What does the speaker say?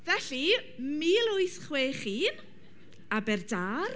Felly, mil wyth chwech un, Aberdâr.